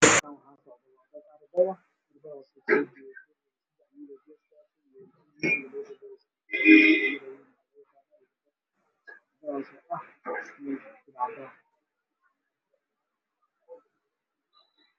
Meshan waxaa socodo arda usocoto Iskuul wilal iyo gabdha wiilasha waxey wataan shaati cadaan ah iyo surwal cadaan ah gabdhaha waxey wataan xijaab jaale ah